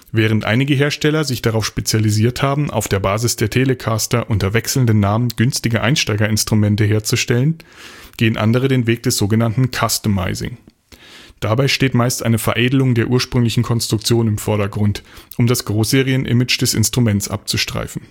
Während einige Hersteller sich darauf spezialisiert haben, auf der Basis der Telecaster unter wechselnden Namen günstige Einsteigerinstrumente herzustellen, gehen andere den Weg des so genannten „ Customizing “. Dabei steht meist eine Veredelung der ursprünglichen Konstruktion im Vordergrund, um das Großserien-Image des Instruments abzustreifen